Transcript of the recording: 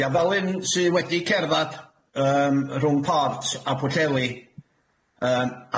Ia fel un sy wedi cerddad yym rhwng Port a Pwllheli yym